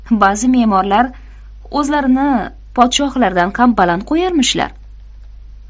ba'zi me'morlar o'zlarini podshohlardan ham baland qo'yarmishlar